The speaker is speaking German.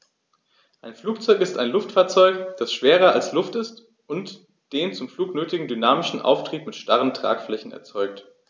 Ein Flugzeug ist ein Luftfahrzeug, das schwerer als Luft ist und den zum Flug nötigen dynamischen Auftrieb mit starren Tragflächen erzeugt.